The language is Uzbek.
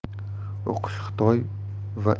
o'qish xitoy va